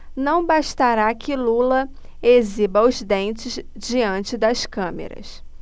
não bastará que lula exiba os dentes diante das câmeras